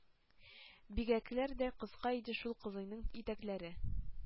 Бигрәкләр дә кыска иде шул кызыйның итәкләре!